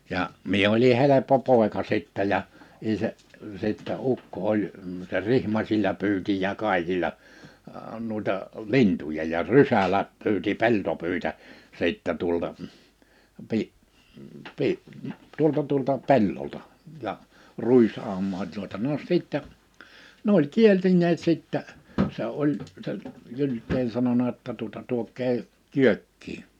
ja minä olin helppo poika sitten ja isä sitten ukko oli se rihmasilla pyysi ja kaikilla noita lintuja ja rysällä pyysi peltopyitä sitten tuolta -- tuolta tuolta pellolta ja ruisaumaan tuota no sitten ne oli kielineet sitten se oli se Gylden sanonut jotta tuota tuokaa kyökkiin